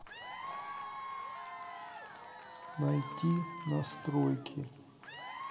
найти настройки